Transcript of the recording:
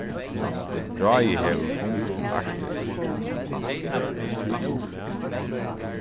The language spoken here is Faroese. ráðið hevur fund um arktis